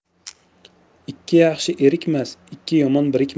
ikki yaxshi erikmas ikki yomon birikmas